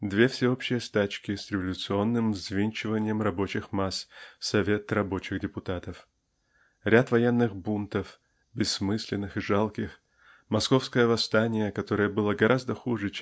Две всеобщие стачки с революционным взвинчиванием рабочих масс (совет рабочих депутатов!) ряд военных бунтов бессмысленных и жалких московское восстание которое было гораздо хуже